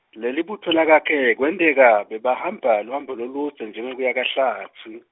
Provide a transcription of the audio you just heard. lelibutfo lakakhe, kwenteka, babehamba, luhambo loludze njengekuya kaHlatsi.